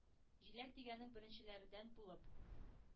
Җиләк дигәнең беренчеләрдән булып